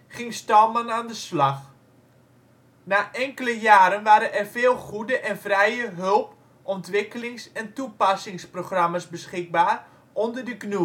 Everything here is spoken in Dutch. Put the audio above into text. ging Stallman aan de slag. Na enkele jaren waren er veel goede en vrije hulp -, ontwikkelings - en toepassingsprogramma 's beschikbaar onder de